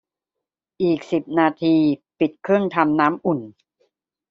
อีกสิบนาทีปิดเครื่องทำน้ำอุ่น